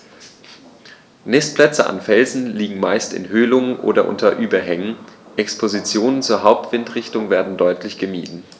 Nistplätze an Felsen liegen meist in Höhlungen oder unter Überhängen, Expositionen zur Hauptwindrichtung werden deutlich gemieden.